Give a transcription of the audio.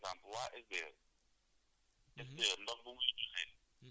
waa léegi ndox boo xam ne par exemple waa SDE